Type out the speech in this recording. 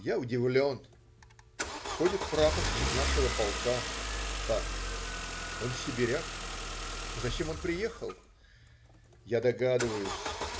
Я удивлен: входит прапорщик нашего полка К. Он сибиряк. Зачем он приехал? Я догадываюсь.